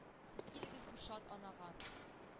Сез килегез бу шат анага,